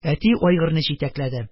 Әти айгырны җитәкләде,